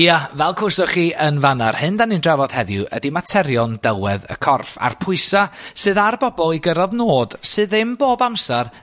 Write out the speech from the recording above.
Ia, fel clywsoch chi yn fan 'na 'r hyn 'dan ni'n drafod heddiw ydi materion delwedd y corff a'r pwysa sydd ar bobol i gyrradd nod sy ddim bob amsar